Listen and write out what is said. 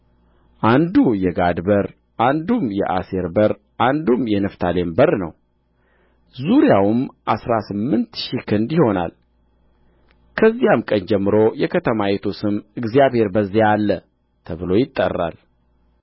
አንዱ የጋድ በር አንዱም የአሴር በር አንዱም የንፍታሌም በር ነው ዙሪያዋም አሥራ ስምንት ሺህ ክንድ ይሆናል ከዚያም ቀን ጀምሮ የከተማይቱ ስም እግዚአብሔር በዚያ አለ ተብሎ ይጠራል